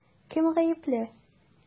Кем гаепле?